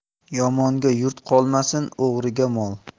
yomonga yurt qolmasin o'g'riga mol